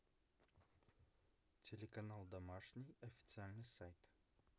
телеканал домашний официальный сайт